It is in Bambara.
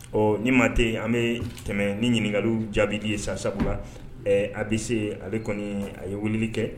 Ɔ ni maa tɛ an bɛ tɛmɛ ni ɲininkaka jaabibidi ye sasa a bɛ se a bɛ kɔni a ye wuli kɛ